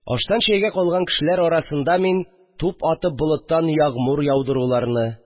Аштан чәйгә калган кешеләр арасында мин, туп атып болыттан ягъмур яудыруларны